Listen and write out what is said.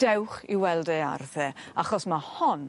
dewch i weld ei ardd e achos ma' hon